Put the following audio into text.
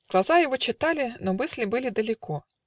Глаза его читали, Но мысли были далеко